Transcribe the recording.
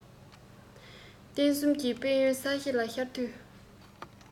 སྟོན གསུམ གྱི དཔལ ཡོན ས གཞི ལ ཤར དུས